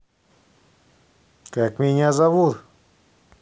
как меня могут